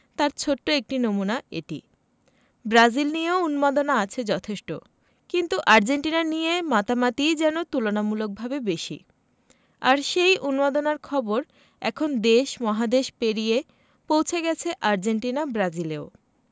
তার ছোট্ট একটা নমুনা এটি ব্রাজিল নিয়েও উন্মাদনা আছে যথেষ্ট কিন্তু আর্জেন্টিনা নিয়ে মাতামাতিই যেন তুলনামূলকভাবে বেশি আর সেই উন্মাদনার খবর এখন দেশ মহাদেশ পেরিয়ে পৌঁছে গেছে আর্জেন্টিনা ব্রাজিলেও